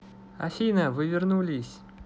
афина вы вернулись